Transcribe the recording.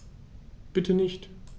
Bitte nicht.